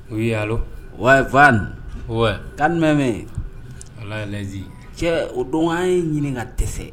U ye yalo waafa' bɛ mɛn ala z cɛ o dɔn ye ɲini ka tɛ fɛ